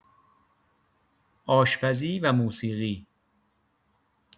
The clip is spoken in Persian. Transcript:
آشپزی و موسیقی